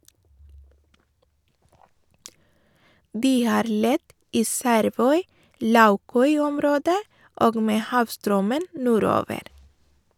De har lett i Skjervøy-Laukøy-området, og med havstrømmen nordover.